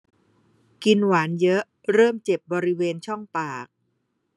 กินหวานเยอะเริ่มเจ็บบริเวณช่องปาก